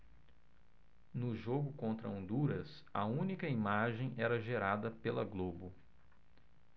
no jogo contra honduras a única imagem era gerada pela globo